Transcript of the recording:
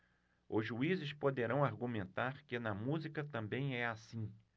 os juízes poderão argumentar que na música também é assim